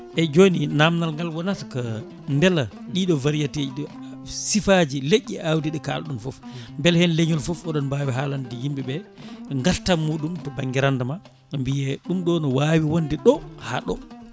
eyyi joni namdal ngal wonata ko beela ɗiɗo variété ji siifaji leƴƴi awdi ɗe kalɗon foof beele hen leeñol foof oɗon mbawi halande yimɓeɓe gartam muɗum to banggue rendement mbiye ɗum ɗo ne wawi wonde ɗo ha ɗo